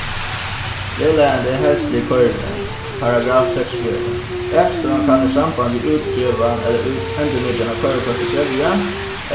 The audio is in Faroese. vegleiðandi heilsulig koyriroynd paragraff seksogfjøruti akstovan kann í sambandi við útgevan endurnýggjan av koyrikorti krevja